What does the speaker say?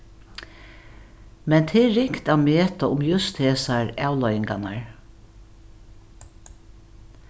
men tað er ringt at meta um júst hesar avleiðingarnar